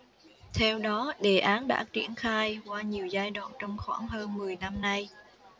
theo đó đề án đã triển khai qua nhiều giai đoạn trong khoảng hơn mười năm nay